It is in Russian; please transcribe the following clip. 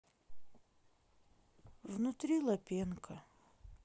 внутри лапенко